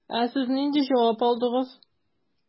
Ә сез нинди җавап алдыгыз?